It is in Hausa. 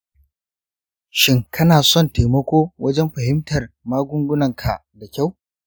shin kana son taimako wajen fahimtar magungunanka da kyau?